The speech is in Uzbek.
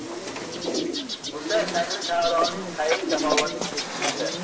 bunda tangri taoloning xayri saxovati cheksizdir